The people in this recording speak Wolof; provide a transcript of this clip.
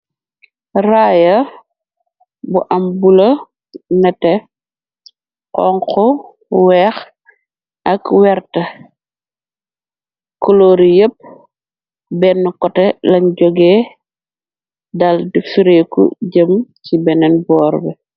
Raaya bu am bula, nete, xonxo, weex ak werta, koloori yépp benne kote lañ jogee, dal di fireeku jem ci beneen boor be.